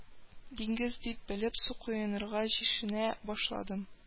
Диңгез дип белеп, су коенырга чишенә башладым